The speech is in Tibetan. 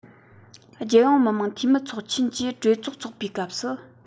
རྒྱལ ཡོངས མི དམངས འཐུས མིའི ཚོགས ཆེན གྱི གྲོས ཚོགས འཚོག པའི སྐབས སུ